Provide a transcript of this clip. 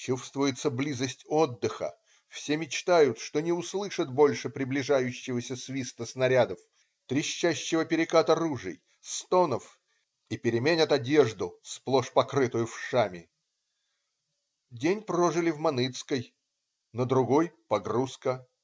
Чувствуется близость отдыха, все мечтают, что не услышат больше приближающегося свиста снарядов, трещащего переката ружей, стонов и переменят одежду, сплошь покрытую вшами. День прожили в Маныцкой. На другой - погрузка.